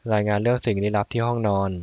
รายงานเรื่องสิ่งลี้ลับที่ห้องนอน